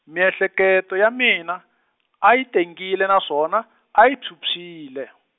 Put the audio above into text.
miehleketo ya mina, a yi tengile naswona, a yi phyuphyile.